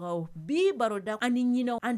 Baro